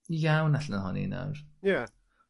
iawn allan ohoni nawr. Ie.